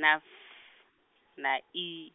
na F na I.